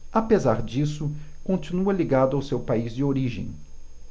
apesar disso continua ligado ao seu país de origem